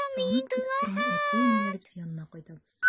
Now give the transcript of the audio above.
Сагынып көтеп торган әти-әниләребез янына кайтабыз.